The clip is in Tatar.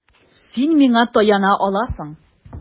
Син миңа таяна аласың.